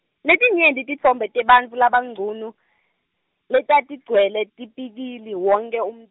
letinye titfombe tebantfu labangcunu, letatigcwele tipikili wonkhe um-.